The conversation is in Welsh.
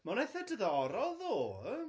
Mae'n eithaf diddorol, ddo.